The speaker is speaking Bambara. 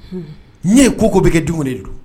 N ye ko ko bɛ kɛ du de don